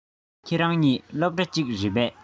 ཁྱེད རང གཉིས སློབ གྲ གཅིག རེད པས